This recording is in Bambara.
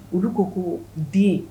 Olu ko ko den